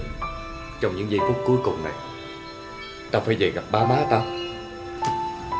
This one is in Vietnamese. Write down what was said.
trong những giây phút cuối cùng này tao phải về gặp ba má tao